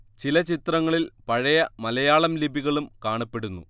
ചില ചിത്രങ്ങളിൽ പഴയ മലയാളം ലിപികളും കാണപ്പെടുന്നു